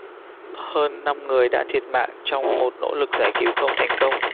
hơn năm người đã thiệt mạng trong một nỗ lực giải cứu không thành công